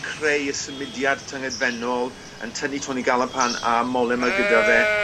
creu y symudiad tyngedfennol yn tynnu Toni Galopin a Mollema gyda fe